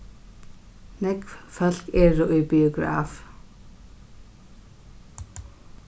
nógv fólk eru í biograf